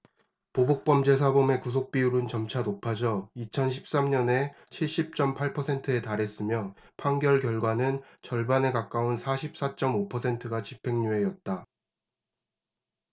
보복 범죄 사범의 구속 비율은 점차 높아져 이천 십 삼 년에 칠십 쩜 팔 퍼센트에 달했으며 판결 결과는 절반에 가까운 사십 사 쩜 오 퍼센트가 집행유예였다